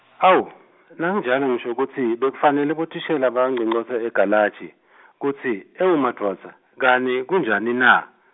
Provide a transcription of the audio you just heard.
awu nakunjalo ngisho kutsi bekufanele bothishela bayonconcotsa egalaji, kutsi ewumadvodza, kani kunjanina.